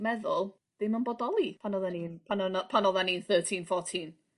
meddwl ddim yn bodoli pan oeddan ni'n pan o' no_ pan oddan ni'n thirteen fourteen.